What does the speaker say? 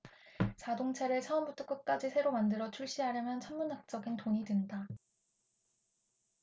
자동차를 처음부터 끝까지 새로 만들어 출시하려면 천문학적인 돈이 든다